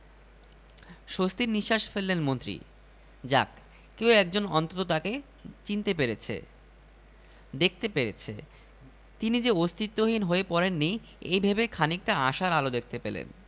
তবে এরপর নানান ব্যস্ততায় তাকে ভুলেই গিয়েছিলাম কাল স্বপ্নে ওর মুখটা দেখে বুকের মধ্যে আবার কেমন কেমন যেন করে উঠল ‘ইউরেকা বলে চিৎকার করে উঠলেন সাইকিয়াট্রিস্ট